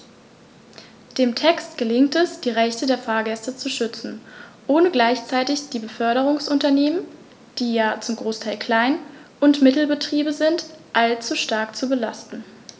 Dem Text gelingt es, die Rechte der Fahrgäste zu schützen, ohne gleichzeitig die Beförderungsunternehmen - die ja zum Großteil Klein- und Mittelbetriebe sind - allzu stark zu belasten.